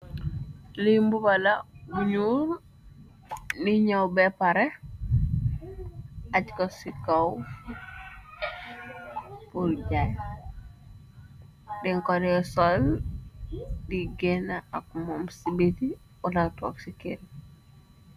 Lii mbubala buñyul ni ñëw beppare aj ko ci kaw bur jaay dinkolee sol di génn ak moom ci biti ulatook ci kerr.